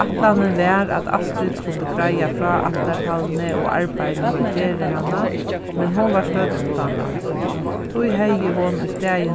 ætlanin var at astrid skuldi greiða frá altartalvuni og arbeiðinum at gera hana men hon var stødd uttanlands tí hevði hon í staðin